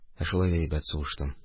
Ә шулай да әйбәт сугыштым.